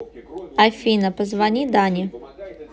афина позвони дане